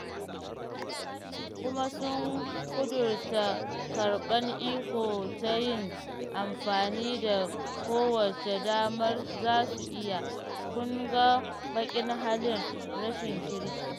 Kuma sun ƙudurta karɓan iko ta yin amfani da kowace damar za su iya, kun ga baƙin halin, rashin kirkin.